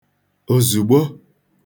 òzùgbo